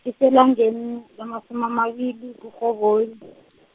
lisela ngani, lamasumi amabili, kuRhoboyi .